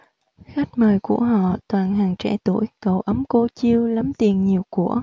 khách mời của họ toàn hàng trẻ tuổi cậu ấm cô chiêu lắm tiền nhiều của